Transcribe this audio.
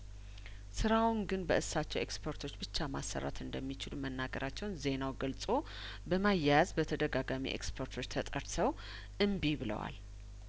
ስራውን ግን በእሳቸው ኤክስፐርቶች ብቻ ማሰራት እንደሚችሉ መናገራቸውን ዜናው ገልጾ በማያያዝ በተደጋጋሚ ኤክሰፐርቶች ተጠርተው እምቢ ብለዋል